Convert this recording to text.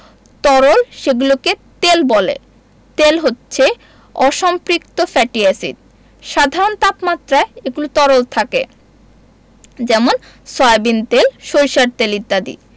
তরল সেগুলোকে তেল বলে তেল হচ্ছে অসম্পৃক্ত ফ্যাটি এসিড সাধারণ তাপমাত্রায় এগুলো তরল থাকে যেমন সয়াবিন তেল সরিষার তেল ইত্যাদি